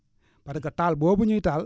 parce que taal boobu ñuy taal